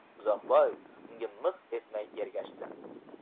uzuqboy unga miq etmay ergashdi